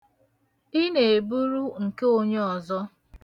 Ị na-eburu nke onye ọzọ.